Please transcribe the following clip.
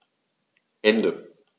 Ende.